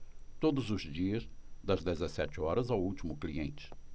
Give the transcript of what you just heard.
todos os dias das dezessete horas ao último cliente